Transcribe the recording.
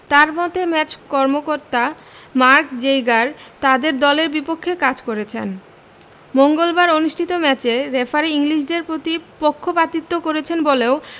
তার মতে ম্যাচ কর্মকর্তা মার্ক জেইগার তাদের দলের বিপক্ষে কাজ করেছেন মঙ্গলবার অনুষ্ঠিত ম্যাচে রেফারি ইংলিশদের প্রতি পক্ষিপাতিত্ব করেছেন বলেও